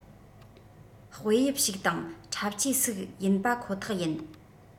དཔེ དབྱིབས ཞིག དང འཁྲབ ཆས སིག ཡིན པ ཁོ ཐག ཡིན